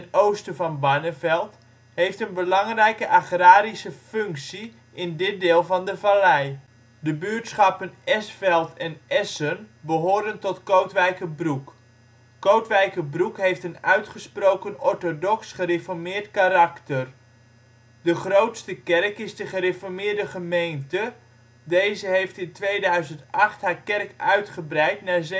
oosten van Barneveld, heeft een belangrijke agrarische functie in dit deel van de vallei. De buurtschappen Esveld en Essen behoren tot Kootwijkerbroek. Kootwijkerbroek heeft een uitgesproken orthodox gereformeerd karakter. De grootste kerk is de Gereformeerde Gemeente. Deze heeft in 2008 haar kerk uitgebreid naar 1.750